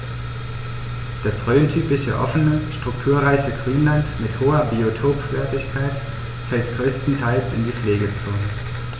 Das rhöntypische offene, strukturreiche Grünland mit hoher Biotopwertigkeit fällt größtenteils in die Pflegezone.